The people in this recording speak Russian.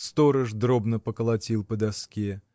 сторож дробно поколотил по доске.